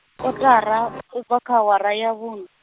kotara, ubva kha awara ya vhun-.